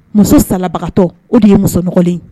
Muso salabagatɔ o de ye muso nɔgɔlen ye